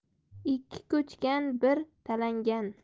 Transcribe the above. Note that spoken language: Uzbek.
ikki ko'chgan bir talangan